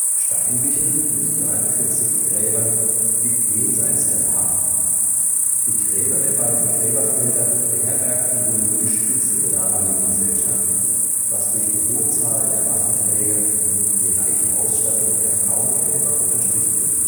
Steinbichel “(43 Gräber) liegt jenseits der Paar. Die Gräber der beiden Gräberfelder beherbergten wohl nur die Spitze der damaligen Gesellschaft, was durch die hohe Zahl der Waffenträger und die reiche Ausstattung der Frauengräber unterstrichen wird